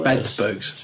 Bedbugs.